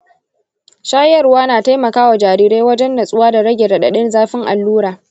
shayarwa na taimaka wa jarirai wajan natsuwa da rage raɗaɗin zafin allura.